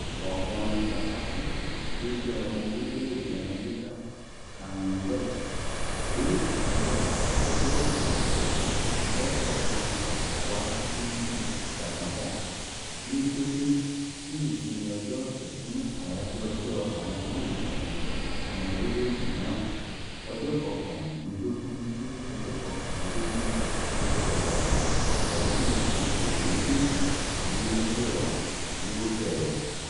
Ọ̀kọrin tàkasúfèé tí ó jẹ́ ọmọ orílẹ̀ èdèe Amẹ́ríkà Kanye West gbé àríyá "Ìsìn Ọjọ́ Ọ̀sẹ̀ " pop-up concert wá sí Kingston, Jamaica, ní kété tí ìsinmi ọjọ́ ọ̀sẹ̀ fún Àyájọ́ Ọjọ́ Àwọn Málegbàgbé Ọmọ Orílẹ̀-èdè náà (19-21, oṣù Ọ̀wàrà ọdún-un 2019) yóò bẹ̀rẹ̀.